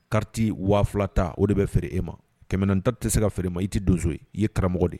Kariti waaula ta o de bɛ feere e ma kɛmɛm ta tɛ se ka feere ma i tɛ donso i ye karamɔgɔ de